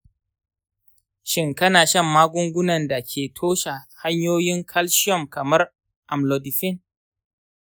shin kana shan magungunan da ke toshe hanyoyin calcium kamar amlodipine?